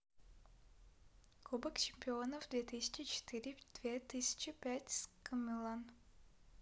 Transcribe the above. кубок чемпионов две тысячи четыре две тысячи пять ск милан